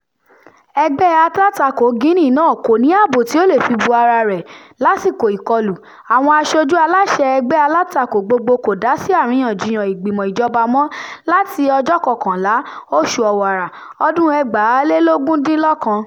Ẹgbẹ́ alátakò Guinea náà kò ní ààbò tí ó lè fi bo araa rẹ̀ lásìkò ìkọlù: àwọn aṣojú aláṣẹ ẹgbẹ́ alátakò gbogbo kò dá sí àríyànjiyàn ìgbìmọ̀ ìjọba mọ́ láti ọjọ́ 11, oṣù Ọ̀wàrà 2019.